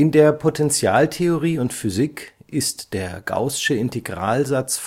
der Potentialtheorie und Physik ist der gaußsche Integralsatz